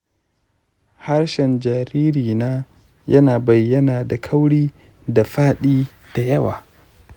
harshen jaririna yana bayyana da kauri da faɗi da yawa